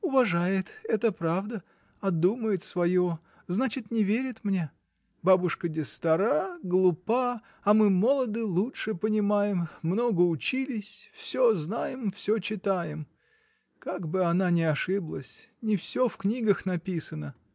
Уважает, это правда, а думает свое, значит, не верит мне: бабушка-де стара, глупа, а мы, молодые, — лучше понимаем, много учились, всё знаем, всё читаем. Как бы она не ошиблась. Не всё в книгах написано!